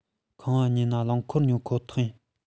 ཁང པ ཉོས ན རླངས འཁོར ཉོ ཁོ ཐག ཡིན